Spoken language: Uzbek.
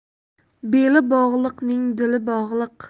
beli bog'liqning dili bog'liq